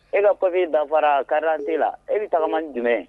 E ka cofin dafafara karirante la e bɛ tagamani jumɛn